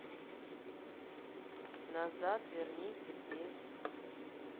назад верни теперь